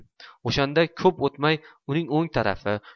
o'shandan ko'p o'tmay o'ng tarafi